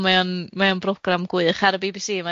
ond mae o'n mae o'n brogram gwych, ar y Bi Bi Si mauo.